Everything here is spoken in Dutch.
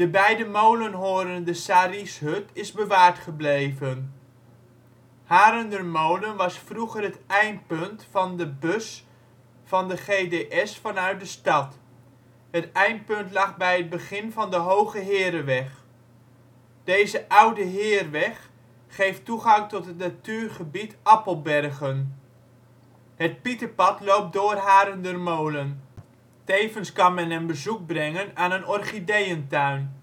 bij de molen horende sarrieshut is bewaard gebleven. Harendermolen was vroeger het eindpunt van de bus van de GDS vanuit de stad. Het eindpunt lag bij het begin van de Hoge Hereweg. Deze oude Heirweg geeft toegang tot het natuurgebied Appelbergen. Het Pieterpad loopt door Harendermolen. Tevens kan men een bezoek brengen aan een orchideeëntuin